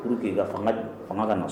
Kuru k' i ka fanga fanga ka nɔfɛ